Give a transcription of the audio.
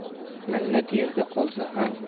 minnat yerda qolsa